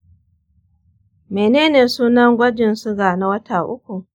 mene ne sunan gwajin suga na wata uku